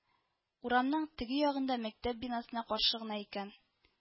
Урамның теге ягында мәктәп бинасына каршы гына икән